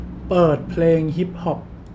เปิดเพลงฮิปฮอป